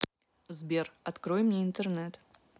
сбер открой интернет